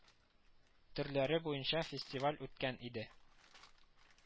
Төрләре буенча фестиваль үткән иде